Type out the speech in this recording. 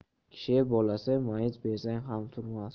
kishi bolasi mayiz bersang ham turmas